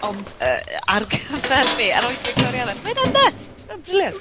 ...ond yy ar gyfar be'? Yr oes Fictorianedd. Ma 'ynna'n nyts. Ma'n brilliant.